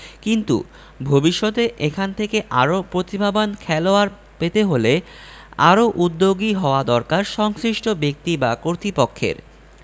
কিন্তু ভবিষ্যতে এখান থেকে আরও প্রতিভাবান খেলোয়াড় পেতে হলে আরও উদ্যোগী হওয়া দরকার সংশ্লিষ্ট ব্যক্তি বা কর্তৃপক্ষের